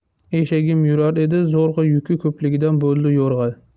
eshagim yurar edi zo'rg'a yuki ko'pligidan bo'ldi yo'rg'a